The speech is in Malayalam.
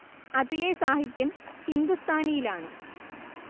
അതിലെ സാഹിത്യം ഹിന്ദുസ്ഥാനിയിലാണ്